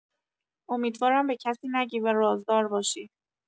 امیدوارم به کسی نگی و رازدار باشی.